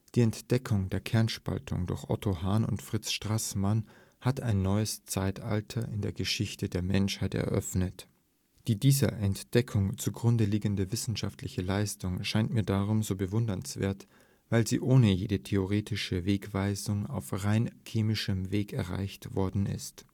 Die Entdeckung der Kernspaltung durch Otto Hahn und Fritz Straßmann hat ein neues Zeitalter in der Geschichte der Menschheit eröffnet. Die dieser Entdeckung zugrunde liegende wissenschaftliche Leistung scheint mir darum so bewundernswert, weil sie ohne jede theoretische Wegweisung auf rein chemischem Weg erreicht worden ist